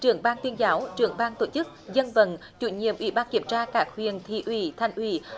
trưởng ban tuyên giáo trưởng ban tổ chức dân vận chủ nhiệm ủy ban kiểm tra các huyện thị ủy thành ủy